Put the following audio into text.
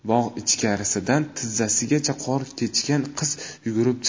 bog' ichkarisidan tizzasigacha qor kechgan qiz yugurib chiqdi